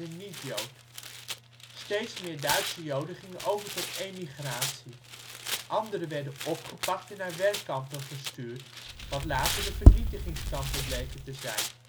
niet-Jood. Steeds meer Duitse Joden gingen over tot emigratie. Anderen werden opgepakt en naar ' werkkampen ' gestuurd, wat later de Vernietigingskampen bleken te zijn